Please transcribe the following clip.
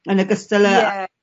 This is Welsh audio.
yn ogystal â... Ie.